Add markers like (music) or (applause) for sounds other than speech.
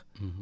(hesitation) (hesitation)